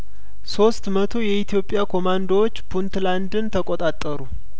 ሶስት መቶ የኢትዮጵያ ኮማንዶዎች ፑንትላንድን ተቆጣጠሩ